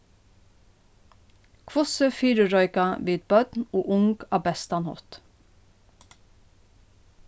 hvussu fyrireika vit børn og ung á bestan hátt